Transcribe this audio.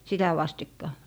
sitä vastikka